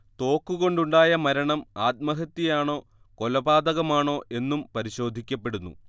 തോക്കുകൊണ്ടുണ്ടായ മരണം ആത്മഹത്യയാണോ കൊലപാതകമാണോ എന്നും പരിശോധിക്കപ്പെടുന്നു